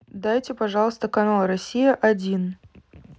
дайте пожалуйста канал россия один